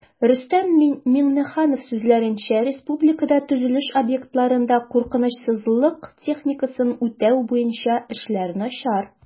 Рөстәм Миңнеханов сүзләренчә, республикада төзелеш объектларында куркынычсызлык техникасын үтәү буенча эшләр начар